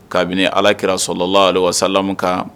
Kabini ala kirara sɔrɔla lasalamu kan